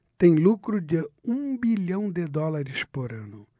tem lucro de um bilhão de dólares por ano